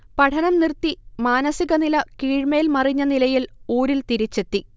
പഠനം നിർത്തി, മാനസികനില കീഴ്മേൽ മറിഞ്ഞനിലയിൽ ഊരിൽ തിരിച്ചെത്തി